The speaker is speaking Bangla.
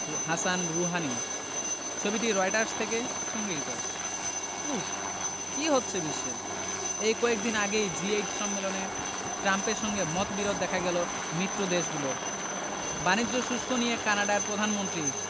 হাসান রুহানি ছবিটি রয়টার্স থেকে সংগৃহীত উফ্ কী হচ্ছে বিশ্বে এই কয়েক দিন আগেই জি এইট সম্মেলনে ট্রাম্পের সঙ্গে মতবিরোধ দেখা গেল মিত্রদেশগুলোর বাণিজ্য শুল্ক নিয়ে কানাডার প্রধানমন্ত্রী